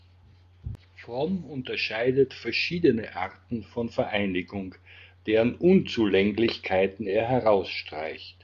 Fromm unterscheidet verschiedene Arten von Vereinigung, deren Unzulänglichkeiten er herausstreicht